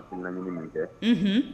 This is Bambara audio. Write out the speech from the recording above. A' nanaɲini nin kɛhun